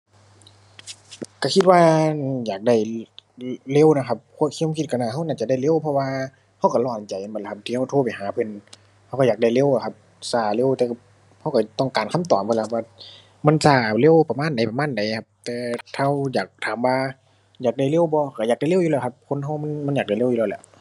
ก็คิดว่าอยากได้ เร็วนะครับ ก็น่าจะได้เร็ว เพราะว่าก็ก็ร้อนใจแม่นบ่ล่ะครับ ที่ก็โทรไปหาเพิ่น ก็ก็อยากได้เร็วอะครับ ก็เร็วแต่ก็ก็ต้องการคำตอบเบิดล่ะครับ ว่ามันก็เร็วประมาณใดประมาณใดครับ แต่ถ้าก็อยากถามว่า อยากได้เร็วบ่ก็อยากได้เร็วอยู่แล้วครับ คนก็มัน มันอยากได้เร็วอยู่แล้วแหละ